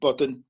bod yn